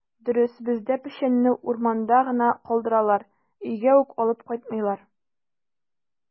Дөрес, бездә печәнне урманда гына калдыралар, өйгә үк алып кайтмыйлар.